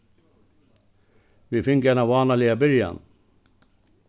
vit fingu eina vánaliga byrjan